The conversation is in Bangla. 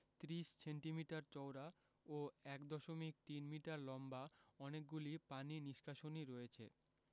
৩০ সেন্টিমিটার চওড়া ও ১ দশমিক ৩ মিটার লম্বা অনেকগুলো পানি নিষ্কাশনী রয়েছে